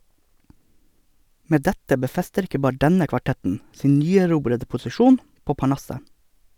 Med dette befester ikke bare denne kvartetten sin nyerobrede posisjon på parnasset.